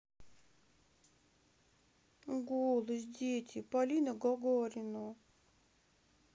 голос дети полина гагарина